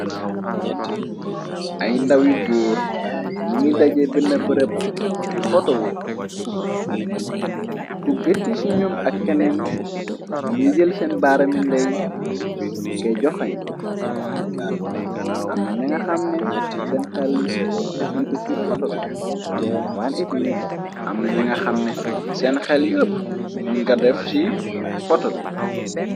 ay ndawi góor ni ngi daje bin bërëb gi fotowo ku gëti ci ñoom ak keneen muñi jël seen baarami ndey likay joxañ amna ñanga xamne seen xel defunku ci foto bi wanemi amna ñanga xamne seen xel yepp mu nga def ci foto bi